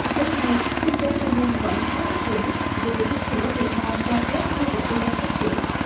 đến nay kinh tế tư nhân vẫn khó phát triển vì chính phủ việt nam cho phép khu vực tư nhân phát triển